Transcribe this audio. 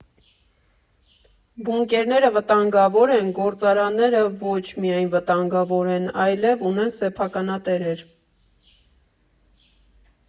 Բունկերները վտանգավոր են, գործարանները ո՛չ միայն վտանգավոր են, այլև ունեն սեփականատերեր։